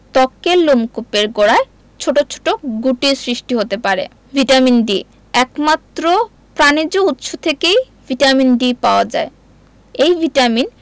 ত্বক্কের লোমকূপের গোড়ায় ছোট ছোট গুটির সৃষ্টি হতে পারে ভিটামিন D একমাত্র প্রাণিজ উৎস থেকেই ভিটামিন D পাওয়া যায় এই ভিটামিন